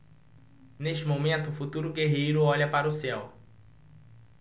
neste momento o futuro guerreiro olha para o céu